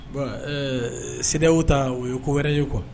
bon ɛɛ CEDEAO o ye ko wɛrɛ quoi